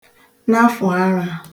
nafụ̀ arā